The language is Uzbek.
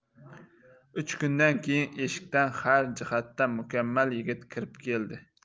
uch kundan keyin eshikdan har jihatdan mukammal yigit kirib keldi